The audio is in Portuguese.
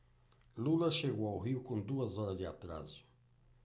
lula chegou ao rio com duas horas de atraso